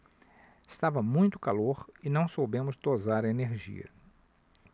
estava muito calor e não soubemos dosar a energia